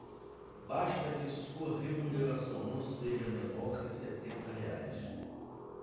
basta que sua remuneração não seja menor que setenta reais